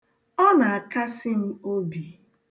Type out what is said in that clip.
Ọ na-akasi m obi.